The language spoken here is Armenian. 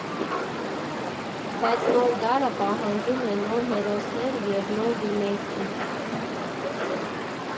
Բայց նոր դարը պահանջում է նոր հերոսներ և նոր ռիմեյքներ։